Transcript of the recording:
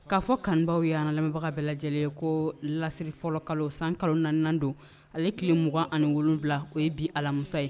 K'a fɔ kanbaww ye' lamɛnbaga bɛɛ lajɛlen ye ko lassiri fɔlɔ kalo san kalo nanan don ale tile 2ugan aniwula o ye bi alamisa ye